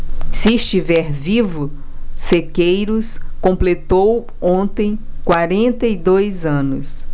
se estiver vivo sequeiros completou ontem quarenta e dois anos